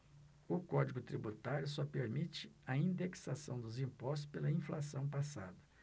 o código tributário só permite a indexação dos impostos pela inflação passada